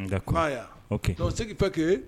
Nka k ko yan dɔw se pake